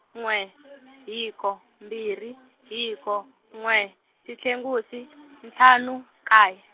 n'we hiko mbirhi hiko n'we xitlhekusi ntlhanu nkaye.